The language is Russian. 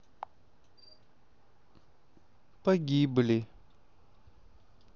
погибли